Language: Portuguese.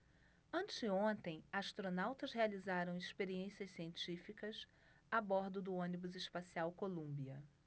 anteontem astronautas realizaram experiências científicas a bordo do ônibus espacial columbia